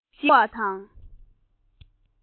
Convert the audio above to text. ཞིག ཏུ ལྷུང བ དང